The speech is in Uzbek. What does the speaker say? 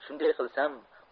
shunday qilsam